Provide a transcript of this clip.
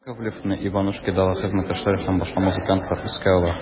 Яковлевны «Иванушки»дагы хезмәттәшләре һәм башка музыкантлар искә ала.